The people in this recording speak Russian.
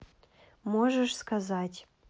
можешь сказать